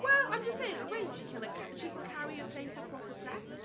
Well I'm just saying range. She can ca- she can carry a plate across a set...